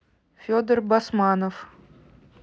федор басманов